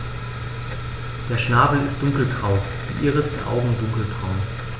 Der Schnabel ist dunkelgrau, die Iris der Augen dunkelbraun.